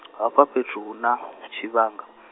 hafha fhethu hu na , tshivhanga.